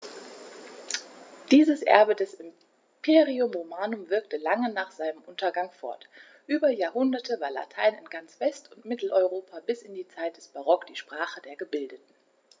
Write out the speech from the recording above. Dieses Erbe des Imperium Romanum wirkte lange nach seinem Untergang fort: Über Jahrhunderte war Latein in ganz West- und Mitteleuropa bis in die Zeit des Barock die Sprache der Gebildeten.